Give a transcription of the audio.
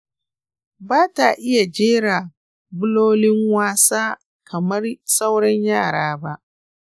ba ta iya jera bulolinwasa kamar sauran yara ba.